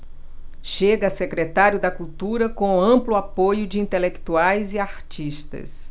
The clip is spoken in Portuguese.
chega a secretário da cultura com amplo apoio de intelectuais e artistas